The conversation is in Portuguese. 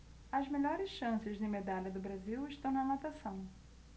as melhores chances de medalha do brasil estão na natação